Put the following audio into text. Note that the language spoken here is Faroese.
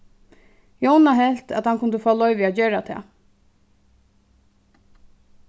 jóna helt at hann kundi fáa loyvi at gera tað